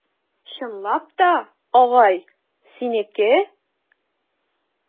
Чынлап та, агай, синеке?